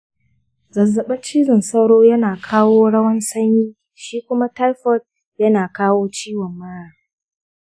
zazzaɓin cizon sauro yana kawo rawan sanyi shi kuma typoid yana kawo ciwon mara.